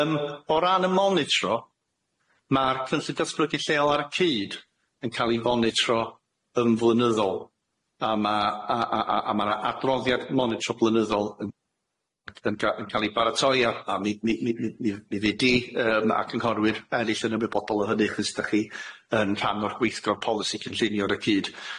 Yym o ran y monitro, ma'r cynllun datblygu lleol ar y cyd yn ca'l i fonitro yn flynyddol a ma' a a a ma'r a- adroddiad monitro blynyddol yn yn ga- yn ca'l i baratoi ar a mi- mi- mi- mi- mi- mi- mi- mi- mi- fyddi di yym a cynghorwyr ennill yn ymwybodol o hynny achos dach chi yn rhan o'r gweithgor polisi cynllunio ar y cyd.